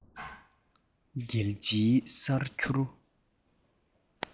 རྒྱལ སྤྱིའི གསར འགྱུར